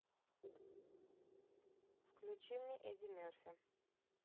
включи мне эдди мерфи